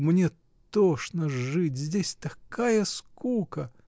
Мне тошно жить, здесь такая скука.